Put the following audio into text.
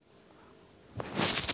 смотреть джуманджи